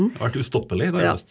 vært ustoppelig nærmest.